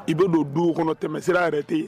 I bɛ don duw kɔnɔ tɛmɛsira yɛrɛ tɛ yen